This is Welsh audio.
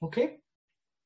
Oce?